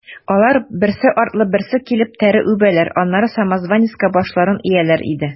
Алар, берсе артлы берсе килеп, тәре үбәләр, аннары самозванецка башларын ияләр иде.